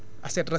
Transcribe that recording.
xóotul